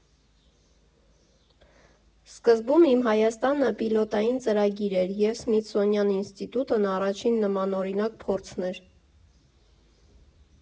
Սկզբում «Իմ Հայաստանը» պիլոտային ծրագիր էր, և Սմիթսոնյան ինստիտուտն առաջին նմանօրինակ փորձն էր։